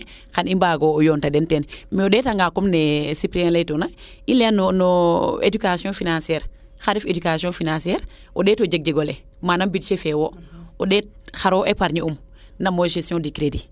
xan i mbaago yoona den teen mais o ndeeta nga comme ne supplier ley tuuna i leya no education financiaire xar ref education finaciaire o ndet o jeg jegole manam budjet fee wo o ndeet xaro epargne um namo gestion du credit